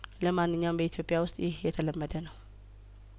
ለማንኛውም በኢትዮጵያ ውስጥ ይህ የተለመደ ነው